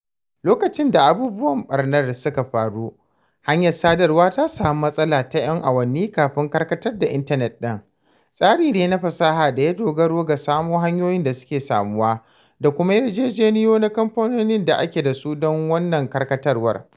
Lokacin da abubuwan ɓarnar suka faru, hanyar sadarwar ta samu matsala ta 'yan awanni kafin a karkatar da intanet ɗin, tsari ne na fasaha da ya dogara ga samo wasu hanyoyi da suke samuwa, da kuma yarjejeniyoyi na kamfanoni da ake dasu don wannan karkatarwa.